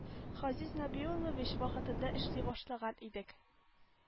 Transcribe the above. Газиз нәбиуллович вакытында эшли башлаган идек